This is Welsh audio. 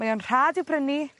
mae o'n rhad i'w brynu